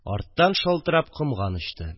Арттан шалтырап комган очты